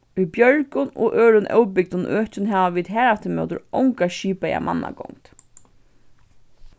í bjørgum og øðrum óbygdum økjum hava vit harafturímóti onga skipaða mannagongd